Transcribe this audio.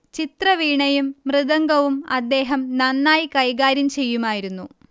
ചിത്രവീണയും മൃദംഗവും അദ്ദേഹം നന്നായി കൈകാര്യം ചെയ്യുമായിരുന്നു